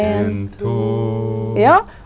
ein to.